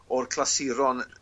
o'r clasuron